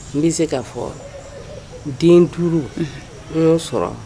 N bɛ se k ka fɔ den duuru n sɔrɔ